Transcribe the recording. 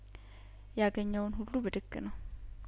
ያገኘውን ሁሉ ብድግ ነው